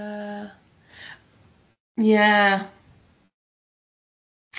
Ie ie.